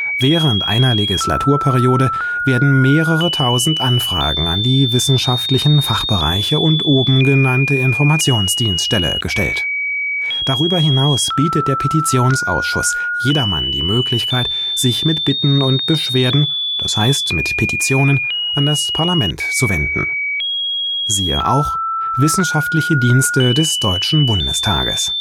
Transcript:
Während einer Legislaturperiode werden mehrere tausend Anfragen an die Wissenschaftlichen Fachbereiche und oben genannte Informationsdienste gestellt. Darüber hinaus bietet der Petitionsausschuss jedermann die Möglichkeit, sich mit Bitten und Beschwerden, das heißt mit Petitionen, an das Parlament zu wenden. Siehe auch: Wissenschaftliche Dienste des Deutschen Bundestages